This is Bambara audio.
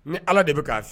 Ni Ala de bɛ k'a f'i ye